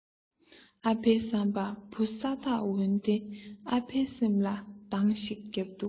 ཨ ཕའི བསམ པར བུ ས ཐག འོན ཏེ ཨ ཕའི སེམས ལ གདང ཞིག བརྒྱབ དུས